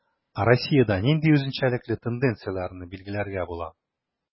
Ә Россиядә нинди үзенчәлекле тенденцияләрне билгеләргә була?